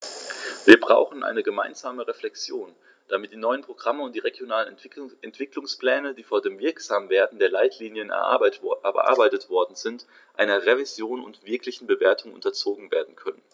Wir brauchen eine gemeinsame Reflexion, damit die neuen Programme und die regionalen Entwicklungspläne, die vor dem Wirksamwerden der Leitlinien erarbeitet worden sind, einer Revision und wirklichen Bewertung unterzogen werden können.